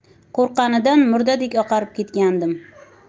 qo'rqqanidan murdadek oqarib ketgandim